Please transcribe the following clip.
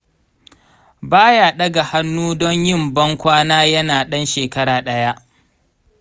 ba ya ɗaga hannu don yin ban kwana yana ɗan shekara ɗaya.